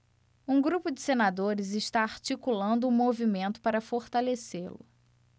um grupo de senadores está articulando um movimento para fortalecê-lo